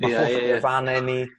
Ia ie ie. Ma' holl gwefanne ni